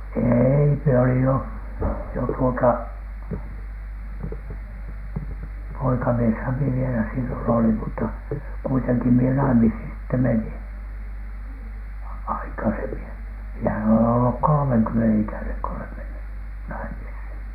ei minä olin jo jo tuota poikamieshän minä vielä silloin olin mutta kuitenkin minä naimisiin sitten menin - minähän olen ollut kolmenkymmenen ikäinen kun olen mennyt naimisiin